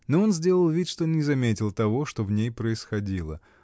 Но он сделал вид, что не заметил того, что в ней происходило.